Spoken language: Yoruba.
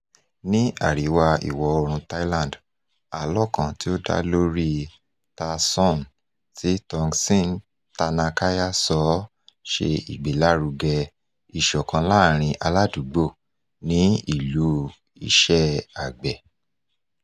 Ní àríwá ìwọ-oòrùn Thailand, àlọ́ kan tí ó dá lórí Ta Sorn tí Tongsin Tanakanya sọ ṣe ìgbélárugẹ ìṣọ̀kan láàárín aládùúgbò ní ìlú iṣẹ́ àgbẹ̀.